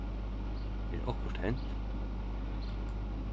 er okkurt hent